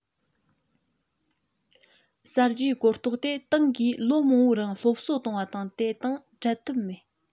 གསར བརྗེའི གོ རྟོགས དེ ཏང གིས ལོ མང པོའི རིང སློབ གསོ བཏང བ དེ དང འབྲལ ཐབས མེད